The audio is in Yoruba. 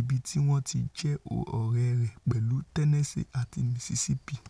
ibití wọn ti jẹ́ ọ̀rẹ́ rẹ́ pẹ̀lú Tennessee àti Mississippi.